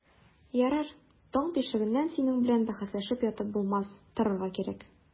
Ярар, таң тишегеннән синең белән бәхәсләшеп ятып булмас, торырга кирәк.